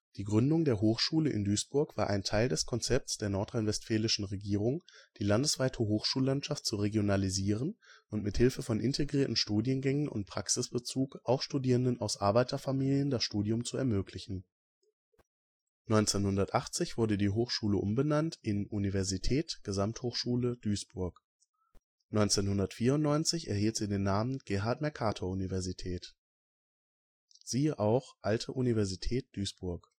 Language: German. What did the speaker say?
Die Gründung der Hochschule in Duisburg war ein Teil des Konzepts der nordrhein-westfälischen Regierung, die landesweite Hochschullandschaft zu regionalisieren und mit Hilfe von integrierten Studiengängen mit Praxisbezug auch Studierenden aus Arbeiterfamilien das Studium zu ermöglichen. 1980 wurde die Hochschule umbenannt in " Universität – Gesamthochschule – Duisburg ". 1994 erhielt sie den Namen " Gerhard-Mercator-Universität ". Siehe auch: Alte Universität Duisburg